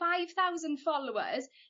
five thousand followers